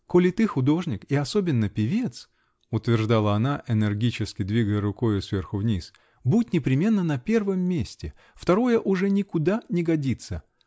-- Коли ты художник и особенно певец, -- утверждала она, энергически двигая рукою сверху вниз, -- будь непременно на первом месте! Второе уже никуда не годится